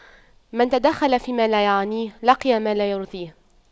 من تَدَخَّلَ فيما لا يعنيه لقي ما لا يرضيه